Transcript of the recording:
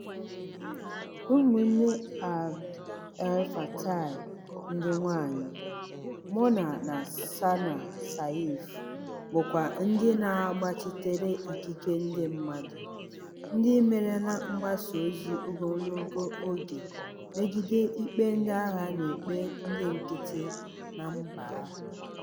Ụmụnne Abd El Fattah ndị nwaanyi, Mona na Sanaa Seif, bụkwa ndị na-agbachitere ikike ndị mmadụ, ndị merela mgbasa ozi ogologo oge megide ikpe ndị agha na-ekpe ndị nkịtị na mba ahụ.